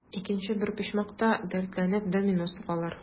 Икенче бер почмакта, дәртләнеп, домино сугалар.